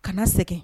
Kana na segin